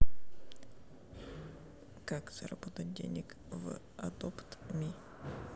как заработать денег в адопт ми